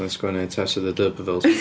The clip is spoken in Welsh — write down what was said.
Wnaeth sgwennu Tess of the D'urbervilles.